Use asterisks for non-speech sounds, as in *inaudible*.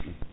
*hesitation* *hesitation*